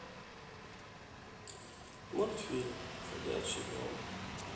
мультфильм ходячий дом